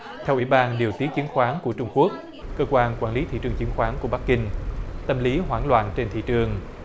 theo ủy ban điều tiết chứng khoán của trung quốc cơ quan quản lý thị trường chứng khoán của bắc kinh tâm lý hoảng loạn trên thị trường